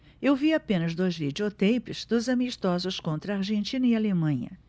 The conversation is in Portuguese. eu vi apenas dois videoteipes dos amistosos contra argentina e alemanha